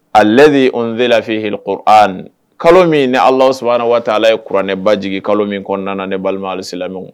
Ale ale de o de lafi hkɔrɔ kalo min ni ala sabanan waati ala ye kuranɛba jigin kalo min kɔnɔna ne balima halisi lamɛn